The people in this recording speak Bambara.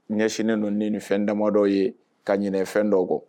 Ɲɛsinnen don ni nin fɛn dama dɔ ye ka ɲinɛn fɛn dɔ kɔ